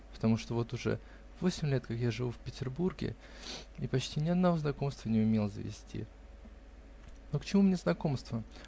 потому что вот уже восемь лет, как я живу в Петербурге, и почти ни одного знакомства не умел завести Но к чему мне знакомства?